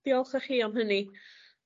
Diolch â chi am hynny.